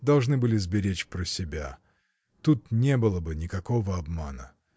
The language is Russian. должны были сберечь про себя; тут не было бы никакого обмана.